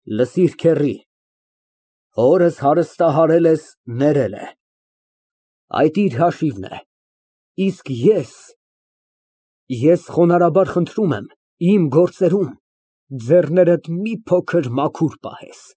Լսիր, քեռի, հորս հարստահարել ես, ներել է, այդ իր հաշիվն է, իսկ ես… ես խոնարհաբար խնդրում եմ, իմ գործերում ձեռներդ մի փոքր մաքուր պահես։